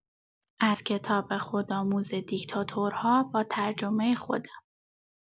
از کتاب «خودآموز دیکتاتورها» با ترجمه خودم.